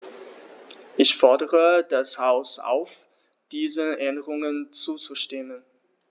Ich fordere das Haus auf, diesen Änderungen zuzustimmen.